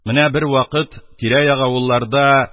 Менә бервакыт тирә-як авылларда